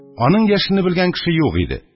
Аның яшене белгән кеше юк иде.